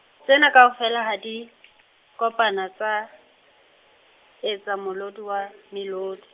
tsena kaofela ha di , kopana tsa , etsa molodi wa, melodi.